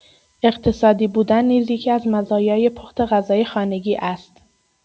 اقتصادی بودن نیز یکی‌از مزایای پخت غذای خانگی است.